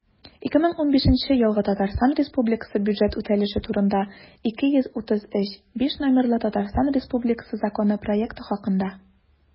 «2015 елгы татарстан республикасы бюджеты үтәлеше турында» 233-5 номерлы татарстан республикасы законы проекты хакында